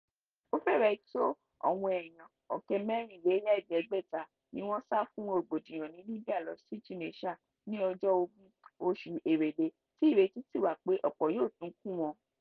Ó fẹ́rẹ̀ tó àwọn èèyàn 75,000 ni wọ́n sá fún rògbòdìyàn ní Libya lọ sí Tunisia, láti ọjọ́ 20 oṣù Èrèlé, tí ìrètí sì wà pé ọ̀pọ̀ yóò tún kún wọn.